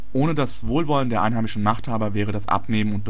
Ohne das Wohlwollen der einheimischen Machthaber wäre das Abnehmen